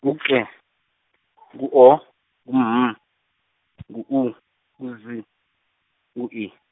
ngu K , ngu O, ngu M, ngu U, ngu Z, ngu I.